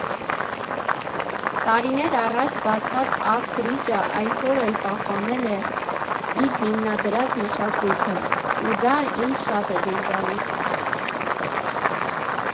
Տարիներ առաջ բացված Արտ Բրիջը այսօր էլ պահպանեց իր հիմնադրած մշակույթը, ու դա ինձ շատ է դուր գալիս։